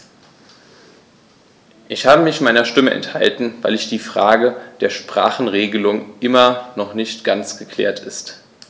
Ich habe mich meiner Stimme enthalten, weil die Frage der Sprachenregelung immer noch nicht ganz geklärt ist.